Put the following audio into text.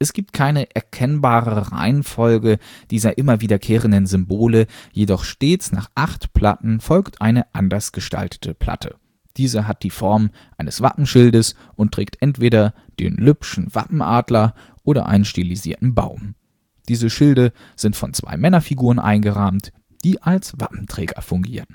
gibt keine erkennbare Reihenfolge dieser immer wiederkehrenden Symbole, jedoch stets nach acht Platten folgt eine anders gestaltete Platte. Diese hat die Form eines Wappenschildes und trägt entweder den Lübschen Wappenadler oder einen stilisierten Baum. Diese Schilde sind von zwei Männerfiguren eingerahmt, die als Wappenträger fungieren